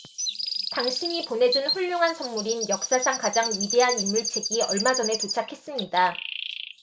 당신이 보내 준 훌륭한 선물인 역사상 가장 위대한 인물 책이 얼마 전에 도착했습니다